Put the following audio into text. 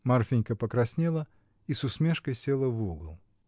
Марфинька покраснела и с усмешкой села в угол.